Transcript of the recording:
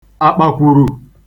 àkpàkwùrù